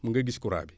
nga gis croix bi